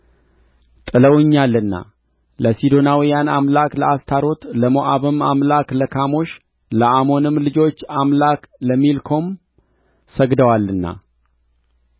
ጥለውኛልና ለሲዶናውያንም አምላክ ለአስታሮት ለሞዓብም አምላክ ለካሞሽ ለአሞንም ልጆች አምላክ ለሚልኮም ሰግደዋልና